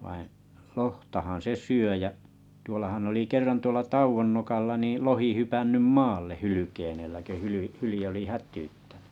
vaan lohtahan se syö ja tuollahan oli kerran tuolla Tauvon nokalla niin lohi hypännyt maalle hylkeen edellä kun - hylje oli hätyyttänyt